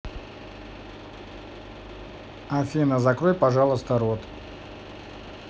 афина закрой пожалуйста рот